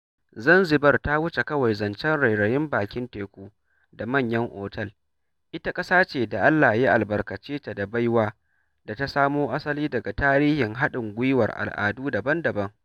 Zanzibar ta wuce kawai zancen rairayin bakin teku da manyan otel - ita ƙasa ce da Allah ya albarkace ta da baiwa da ta samo asali daga tarihin haɗin gwiwar al'adu daban-daban